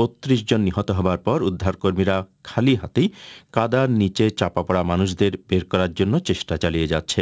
৩২ জন হবার পর উদ্ধারকর্মীরা খালি হাতেই কাঁদার নিচে চাপা পড়া মানুষদের বের করার জন্য চেষ্টা চালিয়ে যাচ্ছে